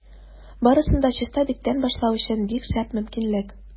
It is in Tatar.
Барысын да чиста биттән башлау өчен бик шәп мөмкинлек.